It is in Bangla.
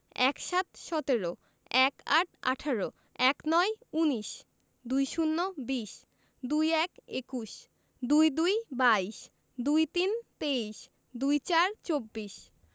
১৭ - সতেরো ১৮ - আঠারো ১৯ - উনিশ ২০ - বিশ ২১ – একুশ ২২ – বাইশ ২৩ – তেইশ ২৪ – চব্বিশ